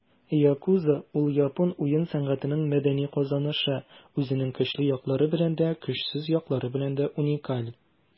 Yakuza - ул япон уен сәнәгатенең мәдәни казанышы, үзенең көчле яклары белән дә, көчсез яклары белән дә уникаль.